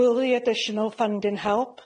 Will the additional funding help?